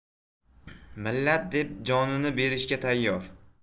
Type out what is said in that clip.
millat deb jonini berishga tayyor